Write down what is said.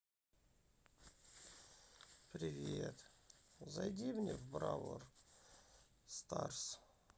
привет зайди мне в бравл старс